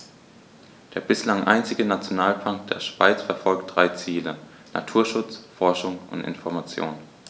Der bislang einzige Nationalpark der Schweiz verfolgt drei Ziele: Naturschutz, Forschung und Information.